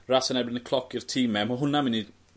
ras yn erbyn y cloc i'r time ma' hwnna myn' i